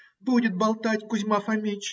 Будет болтать, Кузьма Фомич,